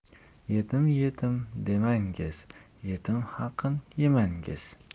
yetim etim demangiz yetim haqin yemangiz